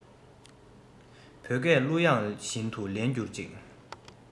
བོད སྐད གླུ དབྱངས བཞིན དུ ལེན འགྱུར ཅིག